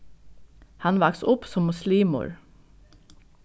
hann vaks upp sum muslimur